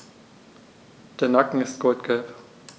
Der Nacken ist goldgelb.